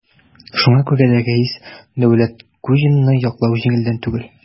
Шуңа күрә дә Рәис Дәүләткуҗинны яклау җиңелдән түгел.